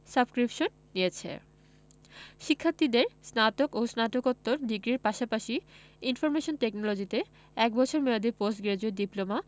subscription নিয়েছে শিক্ষার্থীদের স্নাতক ও স্নাতকোত্তর ডিগ্রির পাশাপাশি ইনফরমেশন টেকনোলজিতে এক বছর মেয়াদি পোস্ট গ্রাজুয়েট ডিপ্লোমা